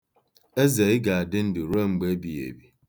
Eze ị ga-adị ndụ ruo mgbe ebigheebi.